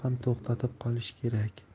ham to'xtatib qolish kerak